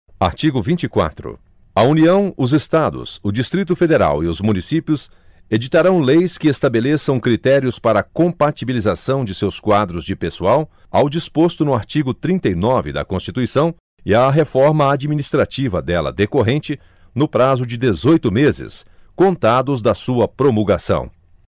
artigo vinte e quatro a união os estados o distrito federal e os municípios editarão leis que estabeleçam critérios para a compatibilização de seus quadros de pessoal ao disposto no artigo trinta e nove da constituição e à reforma administrativa dela decorrente no prazo de dezoito meses contados da sua promulgação